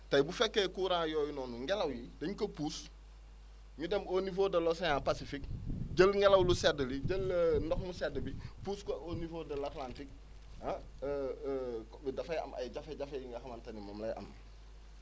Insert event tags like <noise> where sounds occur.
tey bu fekee courant yooyu noonu ngelaw li dañ ko pousse ñu dem au niveau de l' Océans Pacifique jël ngelaw lu sedd li jël <hesitation> ndox mu sedd bi pousse ko au niveau de l' Atlantique ah <hesitation> dafay am ay jafe-jafe yi nga xamante ni moom lay am